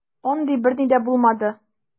Андый берни дә булмады.